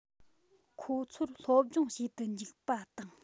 ཁོ ཚོར སློབ སྦྱོང བྱེད དུ འཇུག པ དང